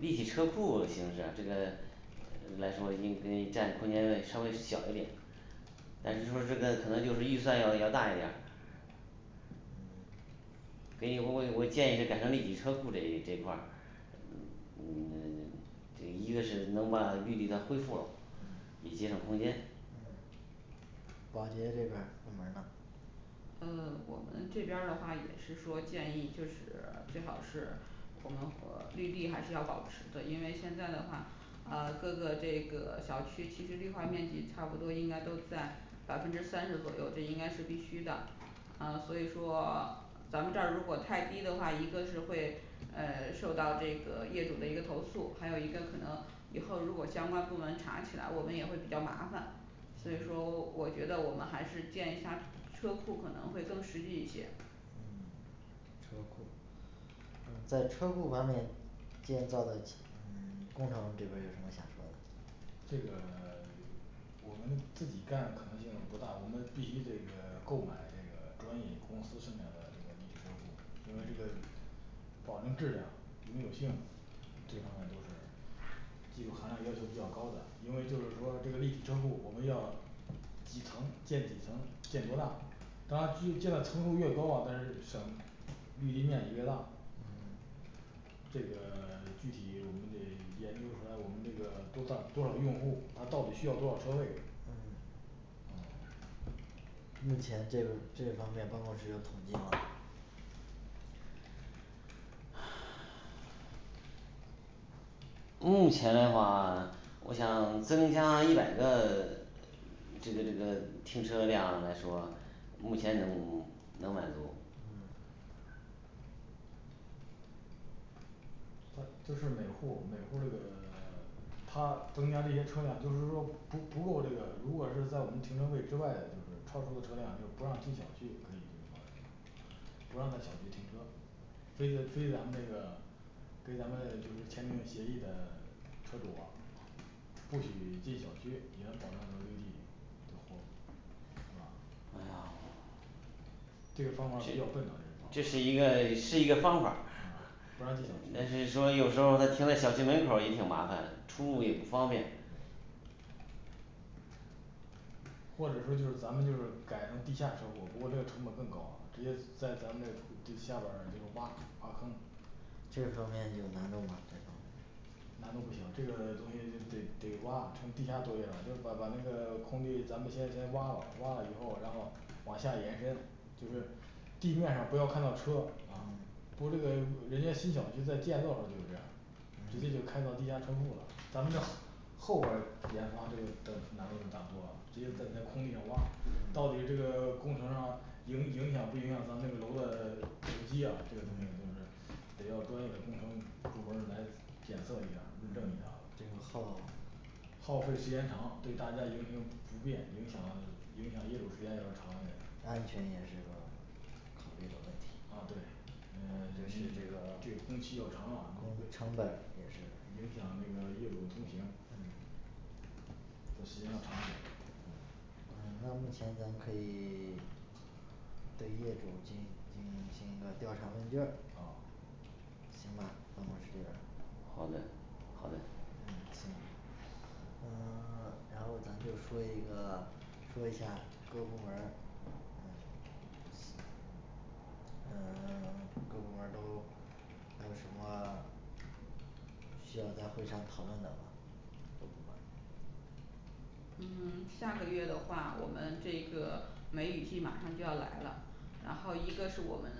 立体车库形式这个来说，应该占空间会稍微小一点，但是嗯说这个可能就是预算要要大一点儿可以，我我建议是改成立体车库这一这一块儿。嗯嗯 嗯一个是能把绿地给它恢复咯，以节省空间。保洁这边儿部门儿呢呃 我们这边儿的话也是说建议就是 最好是我们和绿地还是要保持对，因为现在的话啊各个这个小区其实绿化面积差不多，应该都在百分之三十左右，这应该是必须的。啊所以说咱们这儿如果太低的话，一个是会嗯受到这个业主的一个投诉，还有一个可能以后如果相关部门查起来，我们也会比较麻烦，所以说 我觉得我们还是建一下儿车库可能会更实际一些。车库嗯在车库方面建造 嗯 工程这边儿有什么想说的？这个 我们自己干可能性不大，我们必须这个购买这个专业公司生产的这个立体车库，因为这个保证质量永久性这方面都是技术含量要求比较高的，因为就是说这个立体车库我们要几层建几层建多大当然只有建了层数越高啊，它是省绿地面积越大这个 具体我们得研究出来我们这个多大多少用户，他到底需要多少车位，嗯目前这个这方面办公室有统计吗？目前嘞话 我想增加一百个 这个这个停车量来说，目前能 能满足他就是每户儿每户儿这个 他增加这些车辆就是说不不够这个，如果是在我们停车位之外的，就是超出的车辆就是不让进小区可以不让不让在小区停车。非的非咱们这个。给咱们就是签订协议的 车主啊，不许进小区，也能保证这个绿地的活，是吧？ 这个方法儿比较笨呐这这个是方一法儿个是一个方法儿。嗯，不让进小但区。是说有时候他停在小区门口儿也挺麻烦的，出入也不方便对或者说就是咱们就是改成地下车库，不过这个成本更高啊，直接在咱们这库地下边儿就是挖挖坑。这个方面有难度吗？这方面难度不小，这个东西就得得挖成地下作业了，就把咱那个空地咱们先先挖了，挖了以后然后往下延伸。就是地面上不要看到车，啊不过这个人家新小区在建造时候就是这样儿后边儿研发这个的难度就大多了，直接在咱空地上挖。到底这个工程上影影响不影响咱们这个楼的楼基呀这个东西就是得要专业的工程部门儿来检测一下儿，论证一下的这个耗耗费时间长，对大家影响 不便，影响影响业主时间要长一点安全也是一个考虑的问题哦对。呃嗯 就是这个这工期要长工啊成本儿也是影响那个业主的通行嗯的时间要长一点嗯那目前咱们可以 对业主进行 进行一些个调查问卷儿啊行吧儿办公室这边儿好的好的呃 各部门儿都还有什么需要在会上讨论的吗？各部门儿嗯下个月的话我们这个梅雨季马上就要来了然后一个是我们